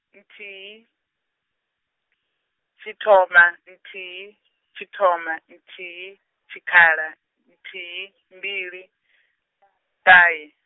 nthihi, tshithoma nthihi, i tshithoma nthihi, tshikhala, nthihi mbili , ṱahe.